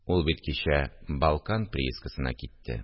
Ул бит кичә «Балкан» приискасына китте